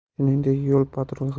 shuningdek yo patrul